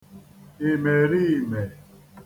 ìmèriìmè